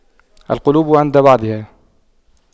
القلوب عند بعضها